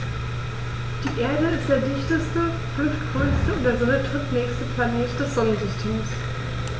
Die Erde ist der dichteste, fünftgrößte und der Sonne drittnächste Planet des Sonnensystems.